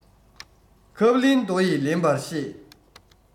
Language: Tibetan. ཁབ ལེན རྡོ ཡིས ལེན པར ཤེས